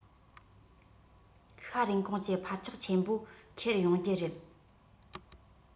ཤ རིན གོང གྱི འཕར ཆག ཆེན པོ ཁྱེར ཡོང རྒྱུ རེད